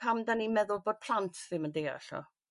pam 'dan ni'n meddwl bod plant ddim yn deall o?